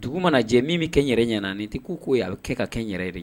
Dugu mana jɛ min bɛ kɛ n yɛrɛ ɲanitigiw k' k'o yan a bɛ kɛ ka kɛ n yɛrɛ de ye